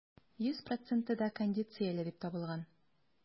Йөз проценты да кондицияле дип табылган.